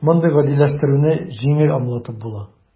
Мондый "гадиләштерү"не җиңел аңлатып була: